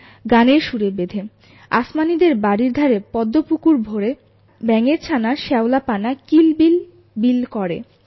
গানের সুরে বেঁধে আসমানীদের বাড়ির ধারে পদ্ম পুকুর ভরে ব্যাঙের ছানা শ্যাওলা পানা কিল বিল বিল করে